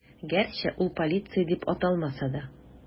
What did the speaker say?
Гәрчә ул полиция дип аталмаса да.